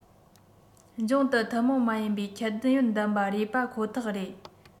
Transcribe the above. འབྱུང དུ ཐུན མོང མ ཡིན པའི ཁྱད ཡོན ལྡན པ རེད པ ཁོ ཐག རེད